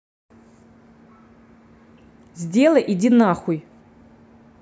сделай иди нахуй